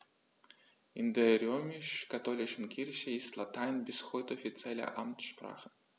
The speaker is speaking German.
In der römisch-katholischen Kirche ist Latein bis heute offizielle Amtssprache.